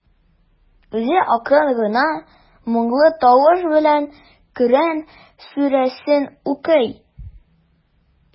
Үзе акрын гына, моңлы тавыш белән Коръән сүрәсен укый.